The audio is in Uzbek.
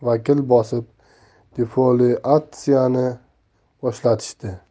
vakil bosib defoliatsiyani boshlatishdi